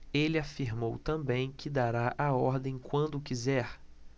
ele afirmou também que dará a ordem quando quiser